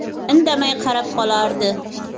indamay qarab qolardi